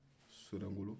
sorɛn n'golo